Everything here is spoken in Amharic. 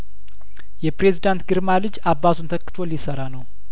የፕሬዝዳንት ግርማ ልጅ አባቱን ተክቶ ሊሰራ ነው